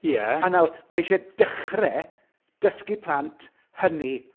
Ie?... A nawr, mae isie dechrau dysgu plant hynny.